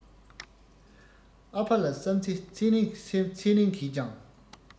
ཨ ཕ ལ བསམ ཚེ རིང གི སེམས ཚེ རིང གིས ཀྱང